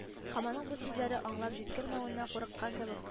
—һәм аның бу сүзләре аңлап җиткермәвеннән курыккан кебек